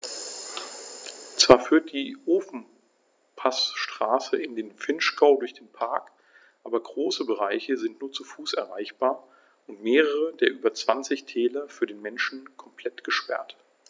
Zwar führt die Ofenpassstraße in den Vinschgau durch den Park, aber große Bereiche sind nur zu Fuß erreichbar und mehrere der über 20 Täler für den Menschen komplett gesperrt.